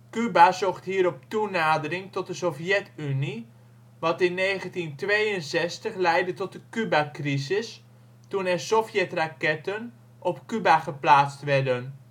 Cuba zocht hierop toenadering tot de Sovjet-Unie, wat in 1962 leidde tot de Cubacrisis, toen er Sovjet-raketten op Cuba geplaatst werden